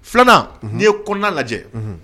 Filanan ni'i ye kɔnɔna lajɛ